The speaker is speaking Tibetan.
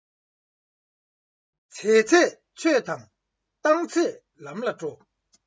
བྱས ཚད ཆོས དང བཏང ཚད ལམ ལ འགྲོ